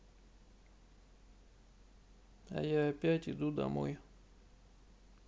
а я опять иду домой